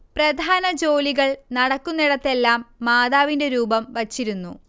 പ്രധാന ജോലികൾ നടക്കുന്നിടത്തെല്ലാം മാതാവിന്റെ രൂപം വച്ചിരുന്നു